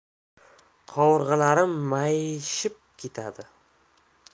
qovurg'alarim mayishib ketadi